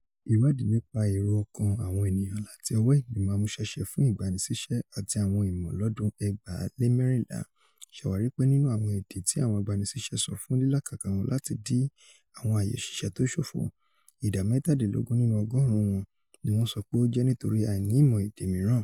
Ìwáàdí nípa èrò-ọkàn àwọn ènìyàn láti ọwọ Ìgbìmọ̀ Amúṣẹ́ṣe fún Ìgbaniṣíṣẹ́ àti Àwọn Ìmọ̀ lọ́dún 2014 ṣàwárí pé nínú àwọn ìdí tí àwọn agbaniṣ̵íṣẹ́ sọ fún lílàkàkà wọn láti di àwọn ààyè òṣìṣẹ́ tó ṣófo, ìdá mẹ́tàdínlógún nínú ọgọ́ọ̀rún wọn ni wọ́n sọ pé ó jẹ́ nítorí àìni ìmọ̀ ède mìíràǹ.